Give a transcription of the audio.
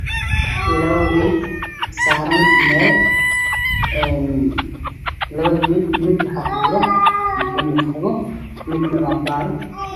Meeshan waa qalab lagu shiidaayo waxyaalo shacab ah